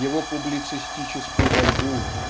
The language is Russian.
его публицистическую борьбу